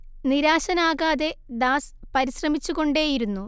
നിരാശനാകാതെ Das പരിശ്രമിച്ചുകൊണ്ടേയിരുന്നു